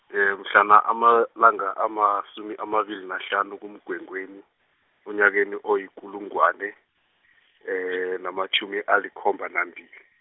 mhlana amalanga amasumi amabili nahlanu kuMgwengweni, onyakeni oyikulungwane, namatjhumi alikhomba nambili.